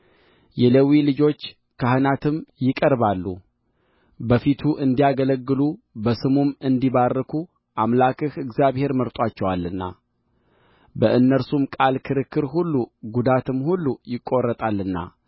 የሌዊ ልጆች ካህናትም ይቀርባሉ በፊቱ እንዲያገለግሉ በስሙም እንዲባርኩ አምላክህ እግዚአብሔር መርጦአቸዋልና በእነርሱም ቃል ክርክር ሁሉ ጉዳትም ሁሉ ይቈረጣልና